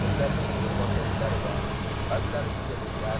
o'zlarining yo'l boshlovchilari bor ba'zilari shu yerliklar